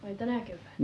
ai tänä keväänä